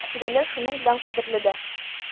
Хатирәләр шуның белән кадерле дә.